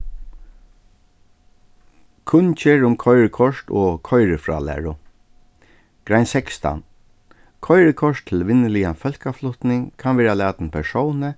kunngerð um koyrikort og koyrifrálæru grein sekstan koyrikort til vinnuligan fólkaflutning kann verða latin persóni